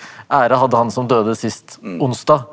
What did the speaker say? ære hadde han som døde sist onsdag.